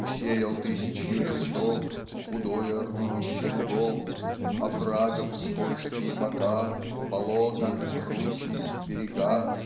Усеял тысячью листов Худое рубище лугов Оврагов скользкие бока Болота кручи берега.